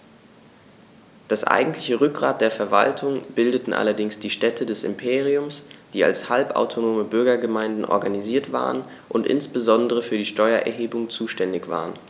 Das eigentliche Rückgrat der Verwaltung bildeten allerdings die Städte des Imperiums, die als halbautonome Bürgergemeinden organisiert waren und insbesondere für die Steuererhebung zuständig waren.